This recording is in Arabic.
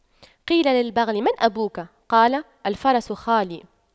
قيل للبغل من أبوك قال الفرس خالي